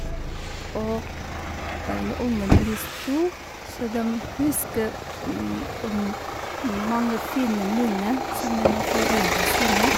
Og når ungene blir stor, så dem husker om mange fine minner sammen med foreldrene sine.